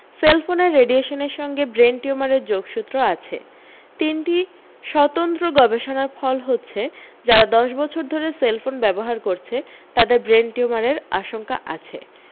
সেলফোনের রেডিয়েশনের সঙ্গে ব্রেন টিউমারের যোগসূত্র আছে তিনটি স্বতন্ত্র গবেষণার ফল হচ্ছে যারা দশ বছর ধরে সেলফোন ব্যবহার করছে তাদের ব্রেন টিউমারের আশঙ্কা আছে